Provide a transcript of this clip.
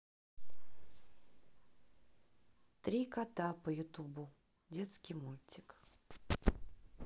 три кота по ютубу детский мультик